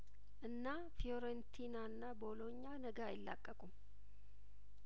እና ፊዮሬንቲናና ቦሎኛ ነገ አይላቀቁም